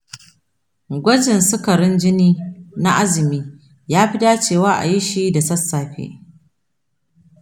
gwajin sukarin jini na azumi ya fi dacewa a yi shi da sassafe.